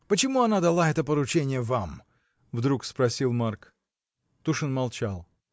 — Почему она дала это поручение вам? — вдруг спросил Марк. Тушин молчал.